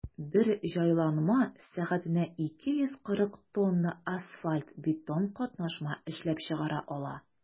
Бер җайланма сәгатенә 240 тонна асфальт–бетон катнашма эшләп чыгара ала.